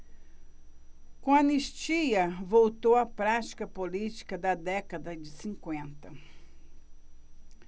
com a anistia voltou a prática política da década de cinquenta